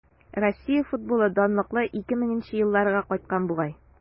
Россия футболы данлыклы 2000 нче елларга кайткан бугай.